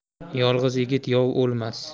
yolg'iz yigit yov olmas